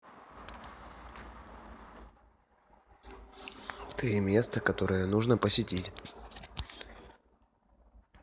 три места которые нужно посетить